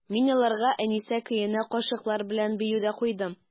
Мин аларга «Әнисә» көенә кашыклар белән бию дә куйдым.